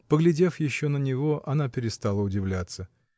Поглядев еще на него, она перестала удивляться.